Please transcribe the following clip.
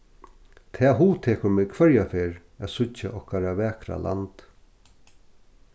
tað hugtekur meg hvørja ferð at síggja okkara vakra land